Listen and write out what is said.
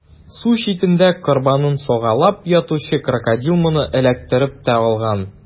Су читендә корбанын сагалап ятучы Крокодил моны эләктереп тә алган.